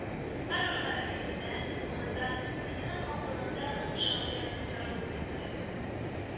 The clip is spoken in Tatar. Һәрбер хәрәкәтендә, ымында үзенең хаклыгына нык ышану ярылып ята иде